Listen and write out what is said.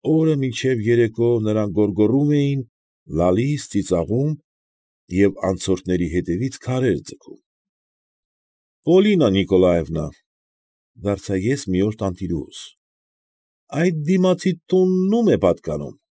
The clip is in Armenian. Օրը մինչև երեկո նրանք գոռգոռում էին, լալիս, ծիծաղում և անցորդների ետևից քարեր ձգում։ ֊ Պոլինա Նիկոլաևնա, ֊ դարձա ես մի օր տանտիրուհուս, ֊ այդ դիմացի տունն ո՞ւմ է պատկանում։